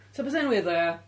Ti wbod be' sy'n wierd ddo ia?